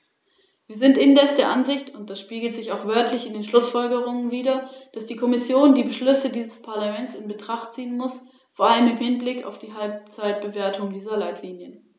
In der EU werden große Mengen gefährlicher Güter auf der Straße, Schiene und Wasserstraße befördert, und dafür benötigen wir effektive Rechtsvorschriften.